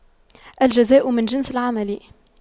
الجزاء من جنس العمل